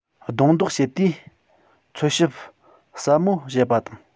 རྡུང རྡེག བྱེད དུས འཚོལ ཞིབ ཟབ མོ བྱེད པ དང